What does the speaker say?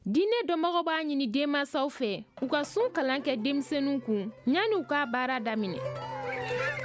diinɛ dɔnbagaw b'a ɲini denmansaw fɛ u ka sun kalan kɛ denmisɛnnu kun yanni u k'a baara daminɛ